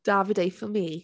Davide for me.